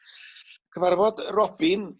cyfarfod robin...